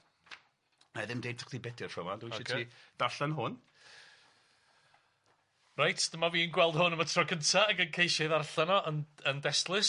Na i ddim deud i chdi be 'di o tro 'ma dwi 'sie ti darllen hwn. Reit dyma fi'n gweld hwn am y tro cynta ac yn ceisio ei ddarllen o yn yn destlys.